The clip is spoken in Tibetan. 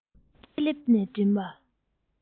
ལྕེ ལེབ ནས མགྲིན པ